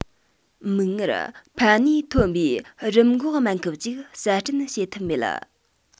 མིག སྔར ཕན ནུས ཐོན པའི རིམས འགོག སྨན ཁབ ཅིག གསར སྐྲུན བྱེད ཐུབ མེད